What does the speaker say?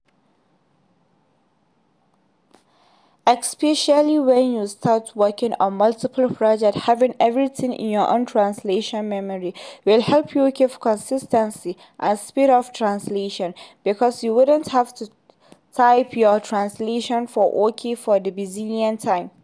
Especially when you start working on multiple projects, having everything in your own translation memory will help you keep consistency and speed up translation, because you won’t have to type your translation for “OK” for the bazillionth time.